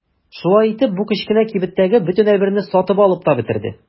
Шулай итеп бу кечкенә кибеттәге бөтен әйберне сатып алып та бетерде.